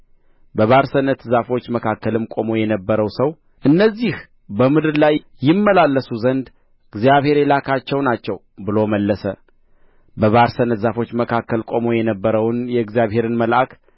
በባርሰነት ዛፎች መካከልም ቆሞ የነበረው ሰው እነዚህ በምድር ላይ ይመላለሱ ዘንድ እግዚአብሔር የላካቸው ናቸው ብሎ መለሰ በባርሰነት ዛፎች መካከልም ቆሞ የነበረውን የእግዚአብሔርን መልአክ